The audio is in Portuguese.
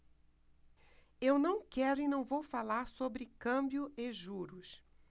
eu não quero e não vou falar sobre câmbio e juros